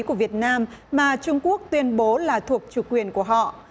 của việt nam mà trung quốc tuyên bố là thuộc chủ quyền của họ